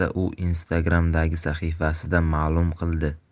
u instagram'dagi sahifasida ma'lum qildi